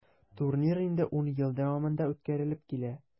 Турнир инде 10 ел дәвамында үткәрелеп килә.